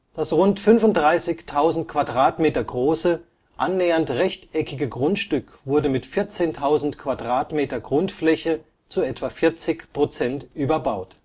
Das rund 35.000 m² große, annähernd rechteckige Grundstück wurde mit 14.000 m² Grundfläche zu etwa 40 % überbaut